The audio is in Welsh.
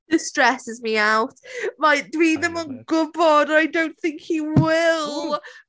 This stresses me out. Mae... dwi ddim yn gwybod. I don't think he will!... Ww!